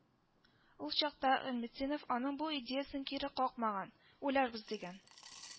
Ул чакта Гыйлметдинов аның бу идеясен кире какмаган, уйларбыз дигән